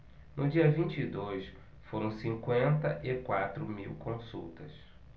no dia vinte e dois foram cinquenta e quatro mil consultas